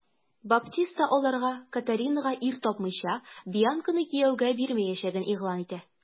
Баптиста аларга, Катаринага ир тапмыйча, Бьянканы кияүгә бирмәячәген игълан итә.